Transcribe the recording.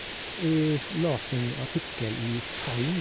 Jeg s las en artikkel i Time.